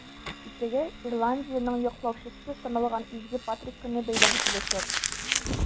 Иртәгә Ирландиянең яклаучысы саналган Изге Патрик көне бәйрәм ителәчәк.